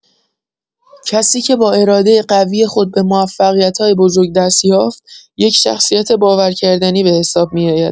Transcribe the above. کسی که با اراده قوی خود به موفقیت‌های بزرگ دست‌یافت، یک شخصیت باورکردنی به‌حساب می‌آید.